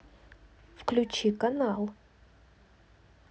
включи канал